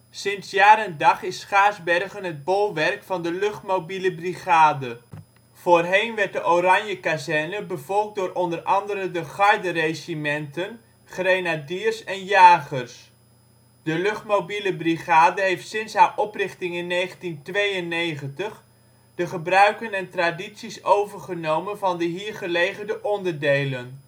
Sinds jaar en dag is Schaarsbergen het bolwerk van de luchtmobiele brigade. Voorheen werd de Oranjekazerne bevolkt door onder andere de garderegimenten, grenadiers en jagers. De luchtmobiele brigade heeft sinds haar oprichting in 1992 de gebruiken en tradities overgenomen van de hier gelegerde onderdelen